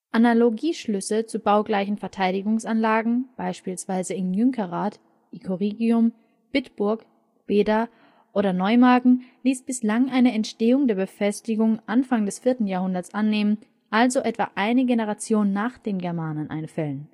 Analogieschlüsse zu baugleichen Verteidigungsanlagen beispielsweise in Jünkerath (Icorigium), Bitburg (Beda vicus) oder Neumagen ließen bislang eine Entstehung der Befestigung Anfang des 4. Jahrhunderts annehmen, also etwa eine Generation nach den Germanneneinfällen